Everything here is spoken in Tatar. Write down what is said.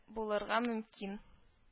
Булырга мөмкин